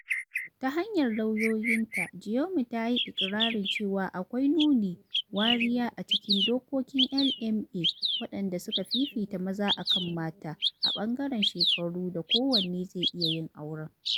Ta hanyar lauyoyinta, Gyumi ta yi iƙirararin cewa akwai nuna wariya a cikin dokokin LMA waɗanda suka fifita maza a kan mata a ɓangaren shekarun da kowanne zai iya yin aure.